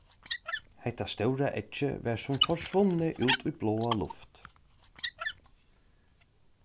hetta stóra eggið var sum forsvunnið út í bláa luft